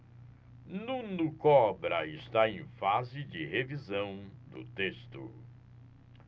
nuno cobra está em fase de revisão do texto